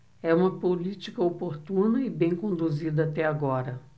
é uma política oportuna e bem conduzida até agora